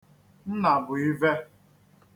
Nnàbụ̀ive